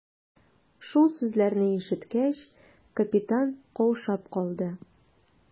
Шул сүзләрне ишеткәч, капитан каушап калды.